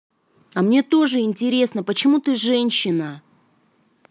а мне тоже интересно почему ты женщина